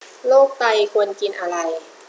โรคไตควรกินอะไร